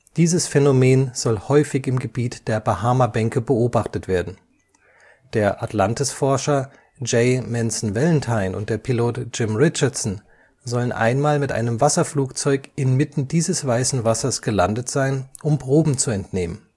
Dieses Phänomen soll häufig im Gebiet der Bahamabänke beobachtet werden. Der Atlantisforscher J. Manson Valentine und der Pilot Jim Richardson sollen einmal mit einem Wasserflugzeug inmitten dieses weißen Wassers gelandet sein, um Proben zu entnehmen